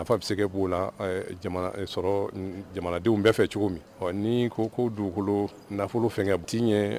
nafa bɛ se ka bɔ ola , sɔrɔ jamanadenw bɛɛ fɛ cogo min, ɔ ni ko ko dugukolo nafolo fɛnkɛ, o tiɲɛ